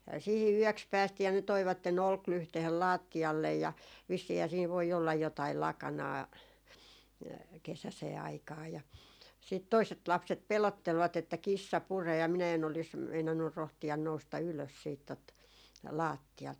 siihen yöksi päästiin ja ne toivat olkilyhteen lattialle ja vissiinhän siinä voi olla jotakin lakanaa kesäiseen aikaan ja sitten toiset lapset pelottelivat että kissa puree ja minä en olisi meinannut rohtia nousta ylös siitä tuota lattialta